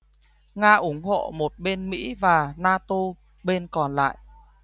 nga ủng hộ một bên mỹ và nato bên còn lại